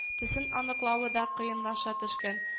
Төсен аныклавы да кыенлаша төшкән